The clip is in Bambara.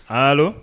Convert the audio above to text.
Haa